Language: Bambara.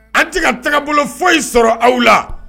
An tɛ ka tagabolo foyi sɔrɔ aw la